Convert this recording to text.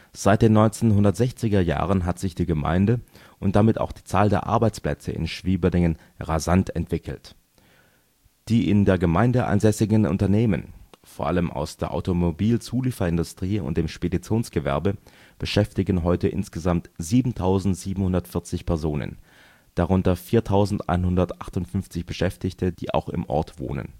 Seit den 1960er Jahren hat sich die Industrie und damit auch die Zahl der Arbeitsplätze in Schwieberdingen rasant entwickelt. Die in der Gemeinde ansässigen Unternehmen – vor allem aus der Automobilzulieferindustrie und dem Speditionsgewerbe – beschäftigen heute insgesamt 7.740 Personen, darunter 4.158 Beschäftigte, die auch im Ort wohnen